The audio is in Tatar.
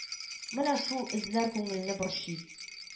Менә шул эзләр күңелне борчый